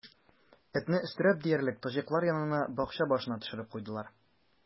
Этне, өстерәп диярлек, таҗиклар янына, бакча башына төшереп куйдылар.